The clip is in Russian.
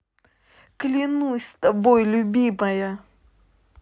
клянусь тобой любимая